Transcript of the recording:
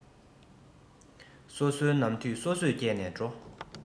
སོ སོའི ནམ དུས སོ སོས བསྐྱལ ནས འགྲོ